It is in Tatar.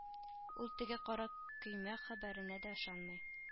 Ул теге кара көймә хәбәренә дә ышанмый